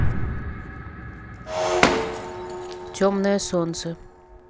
темное солнце